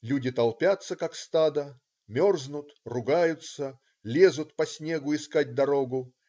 Люди толпятся, как стадо, мерзнут, ругаются, лезут по снегу искать дорогу.